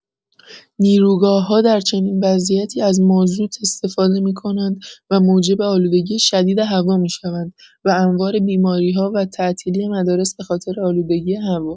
نیروگاه‌ها در چنین وضعیتی از مازوت استفاده می‌کنند و موجب آلودگی شدید هوا می‌شوند و انواع بیماری‌ها و تعطیلی مدارس به‌خاطر آلودگی هوا.